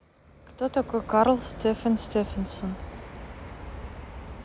кто такой карл stephen stephenson